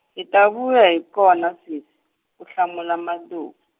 hi ta vuya hi kona sweswi, ku hlamula Madou.